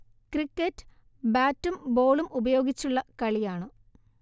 cricket ബാറ്റും ബോളും ഉപയോഗിച്ചുള്ള കളിയാണ്